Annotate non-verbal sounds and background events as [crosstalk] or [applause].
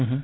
[hesitation] [hesitation]